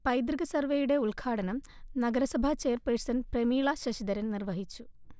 പൈതൃക സർവേയുടെ ഉൽഘാടനം നഗരസഭാചെയർപേഴ്സൺ പ്രമീള ശശിധരൻ നിർവഹിച്ചു